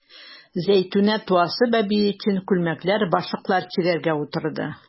Зәйтүнә туасы бәбие өчен күлмәкләр, башлыклар чигәргә утырды.